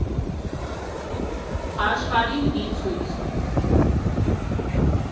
Աշխարհին ի ցույց։